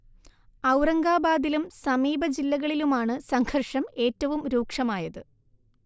ഔറംഗാബാദിലും സമീപ ജില്ലകളിലുമാണ് സംഘർഷം ഏറ്റവും രൂക്ഷമായത്